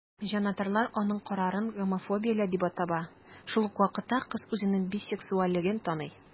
Җанатарлар аның карарын гомофобияле дип таба, шул ук вакытта кыз үзенең бисексуальлеген таный.